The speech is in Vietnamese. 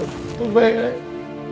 tôi về đây